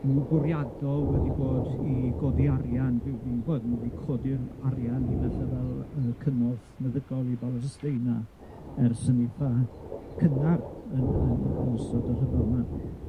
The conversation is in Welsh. mwy bwriadol wedi bod i godi arian d- fi'n gwybod, ni 'di codi'r arian i bethe fel yy cymorth meddygol i Balestina ers yn eitha cynnar yn yn yn ystod y rhyfel ma.